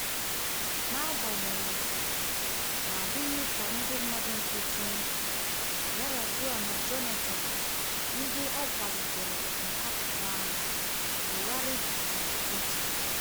Agbanyeghị, na-adịghị ka ndị mmadụ nkịtị — Yar'Adua na Jonathan — ndị ọ kwalitere ma katọọkwa, Buhari dịtụ iche.